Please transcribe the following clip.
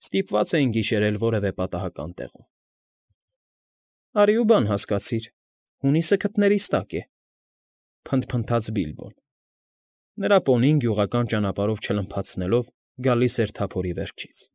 Ստիպված էին գիշերել որևէ պատահական տեղում։ ֊ Արի ու բան հասկացիր՝ հունիսը քթներիս տակ է, ֊ փնթփնթաց Բիլբոն. նրա պոնին գյուղական ճանապարհով չլմփացնելով գալիս էր թափորի վերջից։